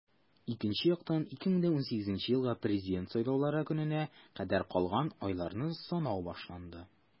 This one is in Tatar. Икенче яктан - 2018 елгы Президент сайлаулары көненә кадәр калган айларны санау башланды.